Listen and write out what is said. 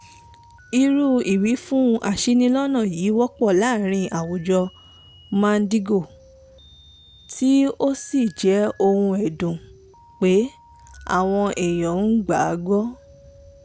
Irú ìwífún aṣinilọ́nà yìí wọ́pọ̀ láàárín àwùjọ Mandingo tí ó sì jẹ́ ohun ẹ̀dùn pé, àwọn èèyàn ń gbà á gbọ́.